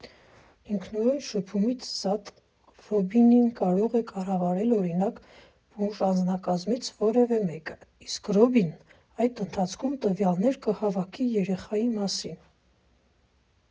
Ինքնուրույն շփումից զատ՝ Ռոբինին կարող է կառավարել, օրինակ՝ բուժանձնակազմից որևէ մեկը, իսկ Ռոբինն այդ ընթացքում տվյալներ կհավաքի երեխայի մասին։